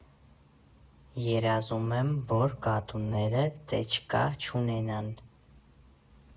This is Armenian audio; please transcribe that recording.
Երազում եմ, որ կատուները ծեչկա չունենան։